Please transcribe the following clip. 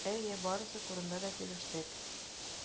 Әйе, барысы турында да килештек.